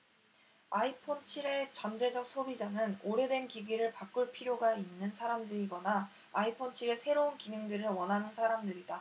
아이폰 칠 의 잠재적 소비자는 오래된 기기를 바꿀 필요가 있는 사람들이거나 아이폰 칠 의 새로운 기능들을 원하는 사람들이다